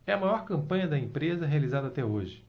é a maior campanha da empresa realizada até hoje